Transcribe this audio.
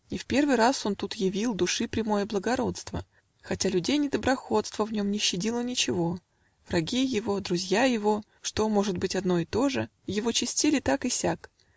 Не в первый раз он тут явил Души прямое благородство, Хотя людей недоброхотство В нем не щадило ничего: Враги его, друзья его (Что, может быть, одно и то же) Его честили так и сяк.